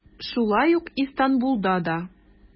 Шулай ук Истанбулда да.